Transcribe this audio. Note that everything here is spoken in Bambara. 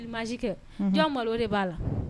Imazi kɛ, unhun, jɔn malo o de b'a la